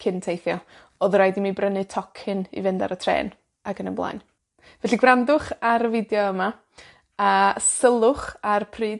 cyn teithio, odd raid i mi brynu tocyn i fynd ar y trên, ag yn y blaen. Felly gwrandwch ar y fideo yma, a sylwch ar pryd